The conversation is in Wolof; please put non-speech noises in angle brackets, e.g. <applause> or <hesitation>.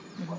<hesitation> <hesitation>